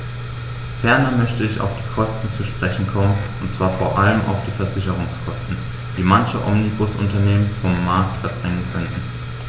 Ferner möchte ich auf die Kosten zu sprechen kommen, und zwar vor allem auf die Versicherungskosten, die manche Omnibusunternehmen vom Markt verdrängen könnten.